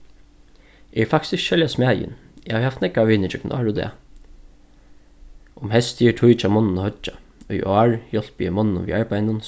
eg eri faktiskt ikki serliga smæðin eg havi havt nógvar vinir gjøgnum ár og dag um heystið er tíð hjá monnum at hoyggja í ár hjálpi eg monnunum við arbeiðinum